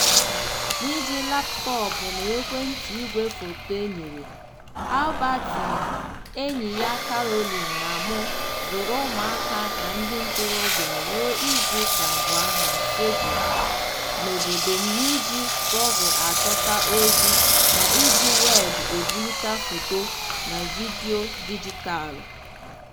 N'iji laptọọpụ na ekwentị igwefoto e nyere, Albertine, enyi ya Caroline na mụ zụrụ ụmụaka na ndị ntorobịa ruo izuụka abụọ na Ségou na obodo m n'iji Google achọta ozi, na iji Weebụ ebulite foto na vidiyo dijitaalụ.